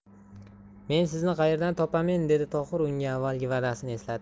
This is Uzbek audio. men sizni qayerdan topamen dedi tohir unga avvalgi vadasini eslatib